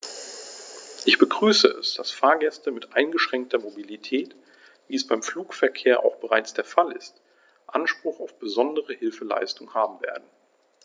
Ich begrüße es, dass Fahrgäste mit eingeschränkter Mobilität, wie es beim Flugverkehr auch bereits der Fall ist, Anspruch auf besondere Hilfeleistung haben werden.